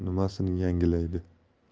u nimasini yangilaydi